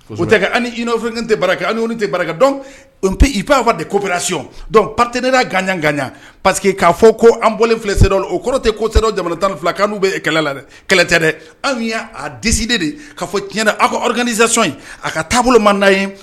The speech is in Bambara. Tɛ iof tɛ ani tɛ bara dɔn i'a fɔ de ko bɛlac pate ne' ganɲa ganɲa paseke que k'a fɔ ko an bɔ filɛ se o kɔrɔ tɛ kosɛ jamana tan fila kan n'u bɛ kɛlɛ la dɛ kɛlɛ tɛ dɛ anw a disi de k kaa fɔ tiɲɛna aw ko alirkanizson ye a ka taabolo ma n' ye